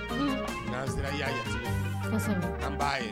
N'an sera i'a ye an b'a ye